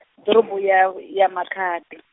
ḓorobo ya, ya Makhado.